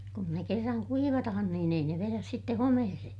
kun ne kerran kuivataan niin ei ne vedä sitten homeeseen